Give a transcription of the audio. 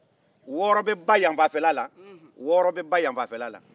wɔɔrɔ bɛ ba yen fanfɛla la wɔɔrɔ bɛ ba yen fanfɛla la